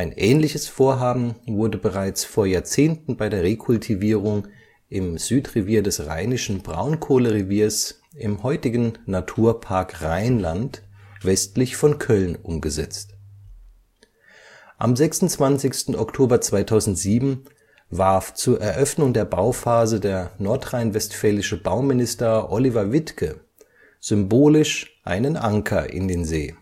ähnliches Vorhaben wurde bereits vor Jahrzehnten bei der Rekultivierung im Südrevier des Rheinischen Braunkohlereviers im heutigen Naturpark Rheinland westlich von Köln umgesetzt. Am 26. Oktober 2007 warf zur Eröffnung der Bauphase der nordrhein-westfälische Bauminister Oliver Wittke symbolisch einen Anker in den See